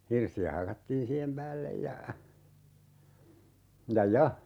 hirsiä hakattiin siihen päälle ja ja ja